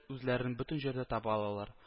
Үзләрен бөтен җирдә таба алалар